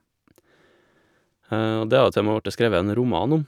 Og det har jo til og med vorti skrevet en roman om.